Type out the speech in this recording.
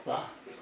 waaw